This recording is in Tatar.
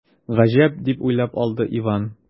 “гаҗәп”, дип уйлап алды иван.